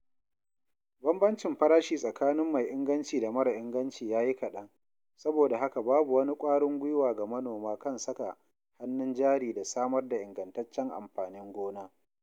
Bambancin farashi tsakanin mai inganci da mara inganci ya yi kaɗan, saboda haka babu wani ƙwarin guiwa ga manoma kan saka hannun jari da samar da ingantaccen amfanin gona.